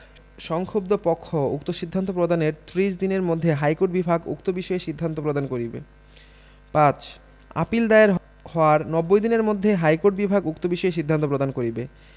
সংক্ষুব্ধ পক্ষ উক্ত সিদ্ধান্ত প্রদানের ত্রিশ দিনের মধ্যে হাইকোর্ট বিভাগ উক্ত বিষয়ে সিদ্ধান্ত প্রদান করিবে ৫ আপীল দায়ের হওয়ার নব্বই দিনের মধ্যে হাইকোর্ট বিভাগ উক্ত বিষয়ে সিদ্ধান্ত প্রদান করিবে